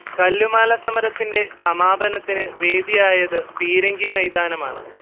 കല്ലുമാല സമരത്തിന്റെ സമാപനത്തിന് വേദിയായത് പീരങ്കി മൈതാനമാണ്